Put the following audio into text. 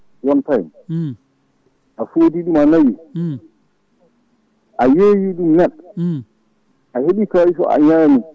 woon * a soodi ɗum a naawi a yeeyi ɗum neɗɗo a heeɓi kalis o a ñaami